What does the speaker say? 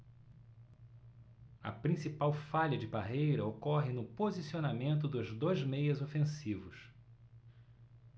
a principal falha de parreira ocorre no posicionamento dos dois meias ofensivos